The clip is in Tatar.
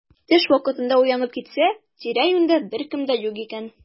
Төш вакытында уянып китсә, тирә-юньдә беркем дә юк икән.